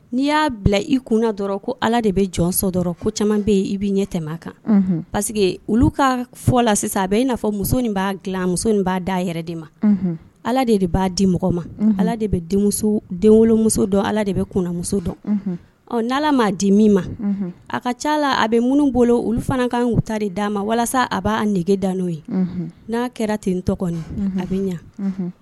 N'i y'a bila i kunna dɔrɔn ko ala de bɛ jɔn sɔ dɔrɔn ko caman bɛ yen i bɛ ɲɛ tɛmɛ kan paseke olu ka fɔ la sisan a bɛ i'a fɔ muso in b'a dilanmuso in b'a di a yɛrɛ de ma ala de de b'a di mɔgɔ ma ala de bɛ denmuso den wolomuso dɔn ala de bɛ kunmuso dɔn ɔ ni ala m' di min ma a ka ca la a bɛ minnu bolo olu fana kankuta de d'a ma walasa a b'a denkɛge da n'o ye n'a kɛra ten tɔgɔ a bɛ ɲɛ